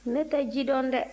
ne tɛ ji dɔn dɛ